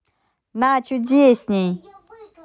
на чудесней